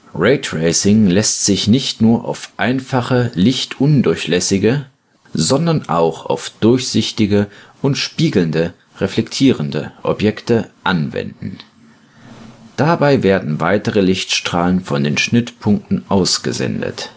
Raytracing lässt sich nicht nur auf einfache lichtundurchlässige, sondern auch auf durchsichtige und spiegelnde, reflektierende Objekte anwenden. Dabei werden weitere Lichtstrahlen von den Schnittpunkten ausgesendet